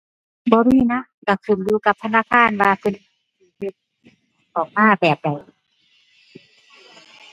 บ่มีนะ ก็ขึ้นอยู่กับธนาคารว่าเพิ่นเฮ็ดออกมาแบบใด